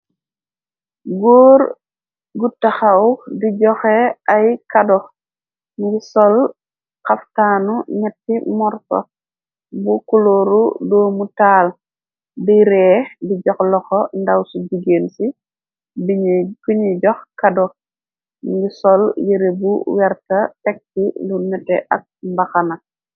Góor gutaxaw di joxe ay kadox ngi sol xaftaanu netti morfox bu kulóoru doomu taal di rée di jox laxo ndaw ci jigéen ci biuy punuy jox kadox ngi sol yere bu werta tekki lu nete ak mbaxana.